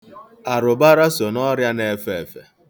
Arụbara so n'ọrịa na-efe efe.